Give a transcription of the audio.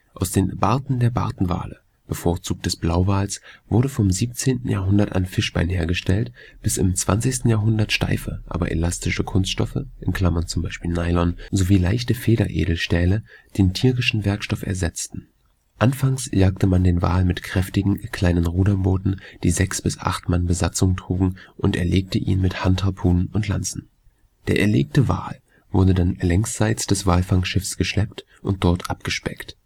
Aus den Barten der Bartenwale, bevorzugt des Blauwals, wurde vom 17. Jahrhundert an Fischbein hergestellt, bis im 20. Jahrhundert steife aber elastische Kunststoffe (z. B. Nylon) sowie leichte Federedelstähle den tierischen Werkstoff ersetzten. Anfangs jagte man den Wal mit kräftigen kleinen Ruderbooten, die sechs bis acht Mann Besatzung trugen, und erlegte ihn mit Handharpunen und Lanzen. Der erlegte Wal wurde dann längsseits des Walfangschiffes geschleppt und dort abgespeckt